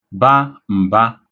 ba m̀ba